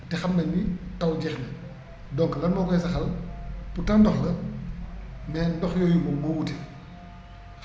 te xam nañ ni taw jeex na donc lan moo koy saxal pourtant ndox la mais ndox yooyu moom moo wute